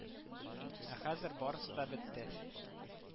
Ә хәзер барысы да бетте